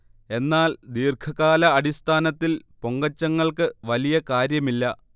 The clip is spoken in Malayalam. എന്നാൽ ദീർഘകാല അടിസ്ഥാനത്തിൽ പൊങ്ങച്ചങ്ങൾക്ക് വലിയ കാര്യമില്ല